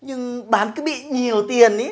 nhưng bán cứ bị nhiều tiền ý